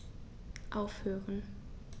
Aufhören.